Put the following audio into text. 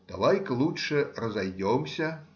Давай-ка лучше разойдемся.